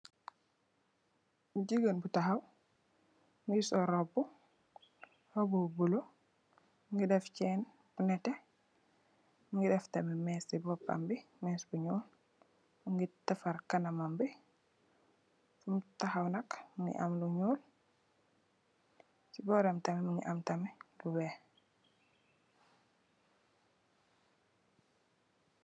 Jigeen bu taxaw mugii sol róbbu, róbbu bu bula, mugii dèf cèèn bu netteh mugii dèf tamid més ci bópambi més bu ñuul . Mugii defarr kanamam bi mugii taxaw nak mugii am lu ñuul ci bóram tam mugii am lu wèèx.